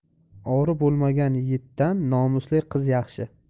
ori bo'lmagan yigitdan nomusli qiz yaxshi